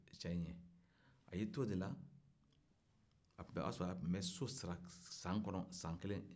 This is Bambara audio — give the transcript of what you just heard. cɛ in ye a y'i to de la o b'a sɔrɔ an tun bɛ so sara san kɔnɔ san kelen